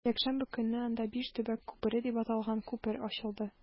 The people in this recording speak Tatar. Якшәмбе көнне анда “Биш төбәк күпере” дип аталган күпер ачылды.